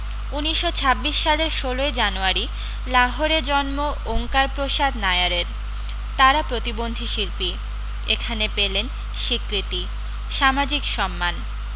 উনিশশো ছাব্বিশ সালের ষোলোই জানুয়ারি লাহোরে জন্ম ওঙ্কার প্রসাদ নায়ারের তাঁরা প্রতিবন্ধী শিল্পী এখানে পেলেন স্বীকৃতি সামাজিক সম্মান